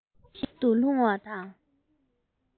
ཞིག ཏུ ལྷུང བ དང